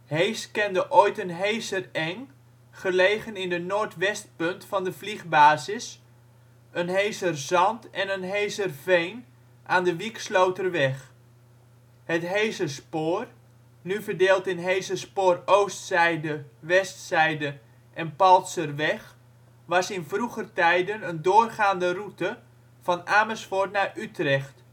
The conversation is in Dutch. Hees kende ooit een Heezerengh (gelegen in de noordwestpunt van de vliegbasis), een Heezerzand en een Heezerveen (aan de Wieksloterweg). Het Heezerspoor (nu verdeeld in Heezerspoor Oostzijde, Westzijde en Paltzerweg) was in vroeger tijden een doorgaande route van Amersfoort naar Utrecht